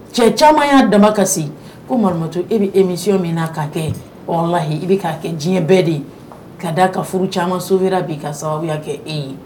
Cɛ caman y'a dama kasi ko malmatou e bɛ émission min na ka kɛ walahi i bɛ ka kɛ diɲɛ bɛɛ de ye, ka da ka furu caman sauver bi ka sababuya kɛ e ye.